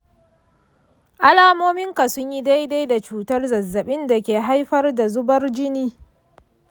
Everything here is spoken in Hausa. alamominka sun yi daidai da cutar zazzabin dake haifar da zubar jini.